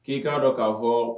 K'i k'a dɔ k'a fɔɔ